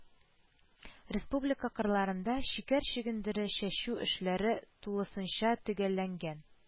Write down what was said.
Республика кырларында шикәр чөгендере чәчү эшләре тулысынча төгәлләнгән